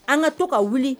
An ka to ka wuli